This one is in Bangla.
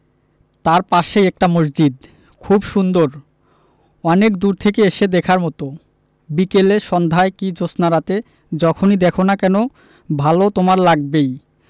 তার পাশেই একটা মসজিদ খুব সুন্দর অনেক দূর থেকে এসে দেখার মতো বিকেলে সন্ধায় কি জ্যোৎস্নারাতে যখনি দ্যাখো না কেন ভালো তোমার লাগবেই